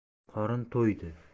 qorin to'ydi